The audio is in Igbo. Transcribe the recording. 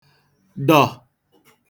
dọ̀